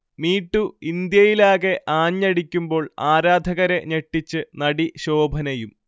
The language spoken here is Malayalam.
മീടു ഇന്ത്യയിലാകെ ആഞ്ഞടിക്കുമ്പോൾ ആരാധകരെ ഞെട്ടിച്ച് നടി ശോഭനയും